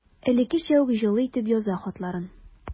Элеккечә үк җылы итеп яза хатларын.